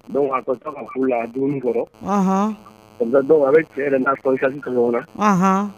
Dɔnku a' la dumuni kɔrɔ a bɛ cɛ yɛrɛ n'a ka ɲɔgɔn na